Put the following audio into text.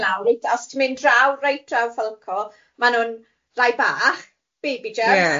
...lawr reit os ti'n mynd draw reit draw felco maen nhw'n rai bach baby jumps... Ie.